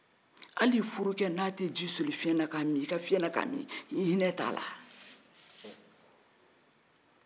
hali i furu kɛ n'a t'i ji soli fiyɛn na i ka fiyɛn na ka mi i hinɛ t'a la